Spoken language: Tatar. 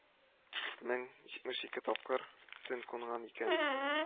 Мең ңитмеш ике тапкыр төн кунган икән